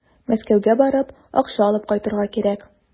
Мәскәүгә барып, акча алып кайтырга кирәк.